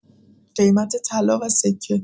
قیمت طلا و سکه